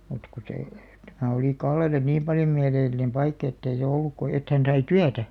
mutta kun se tämä oli Kallelle niin paljon mieleellinen paikka että ei se ollut kuin että hän sai työtä